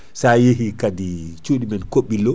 sa yeehi kaadi cuɗimen Kobɓillo